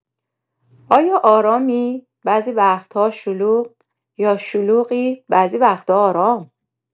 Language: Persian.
آیا آرامی، بعضی وقت‌ها شلوغ، یا شلوغی، بعضی وقتا آرام؟